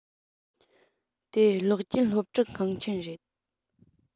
དེ གློག ཅན སློབ ཁྲིད ཁང ཆེན རེད